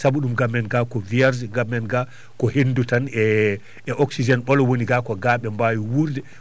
saabu ɗum ga men ga ko vierge ga men ga ko henndu tan e oxygéne ɓolo woni gaa ko gaa ɓe mbawi wuurde